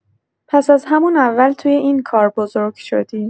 پس از همون اول توی این کار بزرگ شدی.